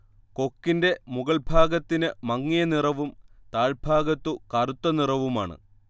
കൊക്കിന്റെ മുകൾഭാഗത്തിന് മങ്ങിയ നിറവും താഴ്ഭാഗത്തു കറുത്ത നിറവുമാണ്